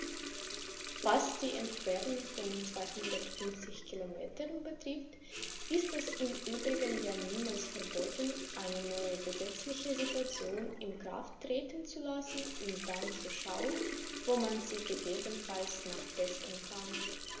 Was die Entfernung von 250 Kilometern betrifft, ist es im Übrigen ja niemals verboten, eine neue gesetzliche Situation in Kraft treten zu lassen und dann zu schauen, wo man sie gegebenenfalls nachbessern kann.